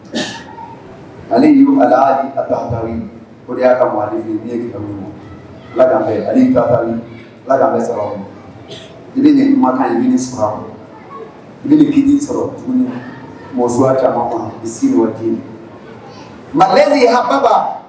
Aleta o y'a katakan i nin ɲumankan ɲini sɔrɔ n' sɔrɔ mɔ caman i sigi waati matigi baba